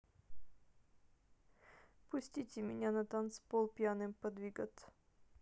пустите меня на танцпол пьяным подвигаться